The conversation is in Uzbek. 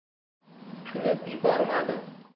kulib yubormadi